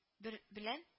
Бер белән